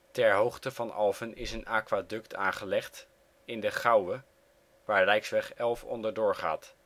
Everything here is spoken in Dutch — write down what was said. Ter hoogte van Alphen is een aquaduct aangelegd in de Gouwe waar rijksweg 11 onderdoor gaat